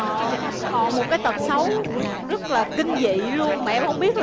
còn còn một cái tật xấu rất là kinh dị luôn mà em không biết